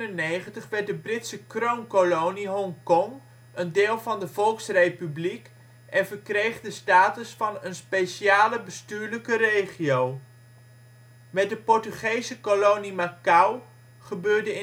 1997 werd de Britse kroonkolonie Hongkong een deel van de Volksrepubliek en verkreeg de status van een speciaal bestuurlijke regio. Met de Portugese kolonie Macau gebeurde